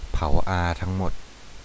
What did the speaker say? เผาอาทั้งหมด